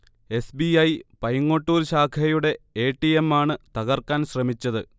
S. B. I. പൈങ്ങോട്ടൂർ ശാഖയുടെ A. T. എമ്മാണ് തകർക്കാൻ ശ്രമിച്ചത്